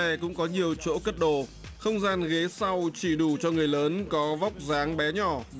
xe cũng có nhiều chỗ cất đồ không gian ghế sau chỉ đủ cho người lớn có vóc dáng bé nhỏ